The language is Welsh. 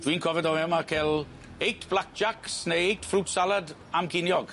Dwi'n cofio do' fe' yma a c'el eight blackjacks neu eight fruit salad am giniog.